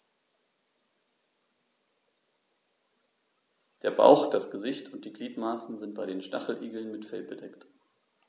Der Bauch, das Gesicht und die Gliedmaßen sind bei den Stacheligeln mit Fell bedeckt.